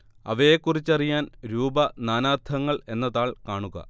അവയെക്കുറിച്ചറിയാൻ രൂപ നാനാർത്ഥങ്ങൾ എന്ന താൾ കാണുക